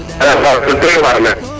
doy waar